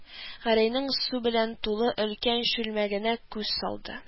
Гәрәйнең су белән тулы өлкән чүлмәгенә күз салды